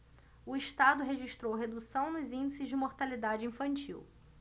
o estado registrou redução nos índices de mortalidade infantil